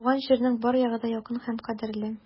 Туган җирнең бар ягы да якын һәм кадерле.